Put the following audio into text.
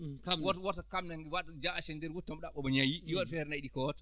ɗum kam woto woto kamne waaɗ jaasi e ndeer wutte mum omo ɗaɓɓa omo ñaayi yo waɗ feere nayi ɗi koota